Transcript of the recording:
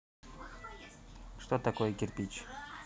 что такое кирпич